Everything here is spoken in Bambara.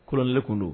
Kolonɛlen tun don